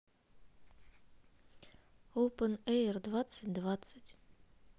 опэн эйр двадцать двадцать